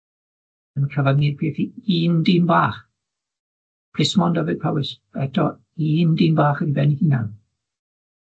yn cyfyngu'r peth i un dyn bach, Plismon Dyfed Powys eto un dyn bach yn ben hunan.